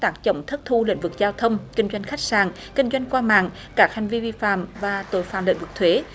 tác chống thất thu lĩnh vực giao thông kinh doanh khách sạn kinh doanh qua mạng các hành vi vi phạm và tội phạm lĩnh vực thuế